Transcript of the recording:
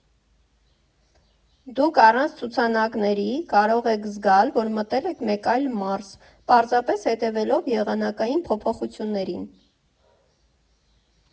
Դուք առանց ցուցանակների կարող եք զգալ, որ մտել եք մեկ այլ մարզ՝ պարզապես հետևելով եղանակային փոփոխություններին։